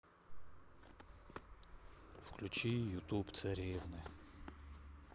включи ютуб царевны